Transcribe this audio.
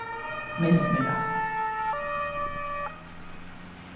minnist meg rætt